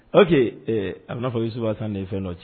ok a bɛnaa n'a fɔ Isuf alasane de ye fɛn d ci